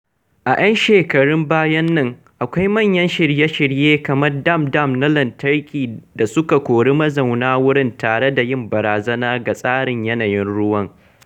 A 'yan shekarun bayan nan, akwai manyan shirye-shirye kamar dam-dam na lantarki da suka kori mazauna wurin tare da yin barazana ga tsarin yanayin ruwan.